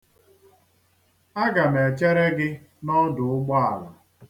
Aga m echere gi n'ọdụ ụgbọala.